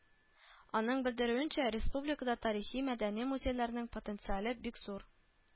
Аның белдерүенчә, республикада тарихи, мәдәни музейларның потенциалы бик зур